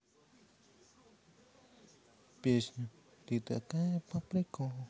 песня ты такая по приколу